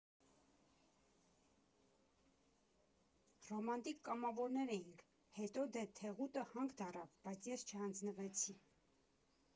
Ռոմանտիկ կամավորներ էինք, հետո դե Թեղուտը հանք դառավ, բայց ես չհանձնվեցի։